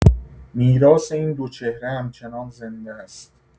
میراث این دو چهره همچنان زنده است.